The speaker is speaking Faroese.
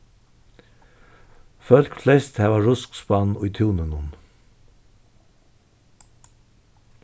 fólk flest hava ruskspann í túninum